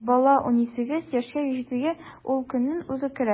Бала унсигез яшькә җитүгә үз көнен үзе күрә.